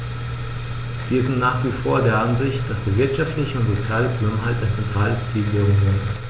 Wir sind nach wie vor der Ansicht, dass der wirtschaftliche und soziale Zusammenhalt ein zentrales Ziel der Union ist.